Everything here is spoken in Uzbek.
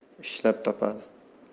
ishlab topadi